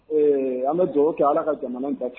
Ee an bɛ jɔ kɛ ala ka jamana da